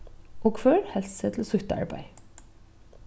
og hvør helt seg til sítt arbeiði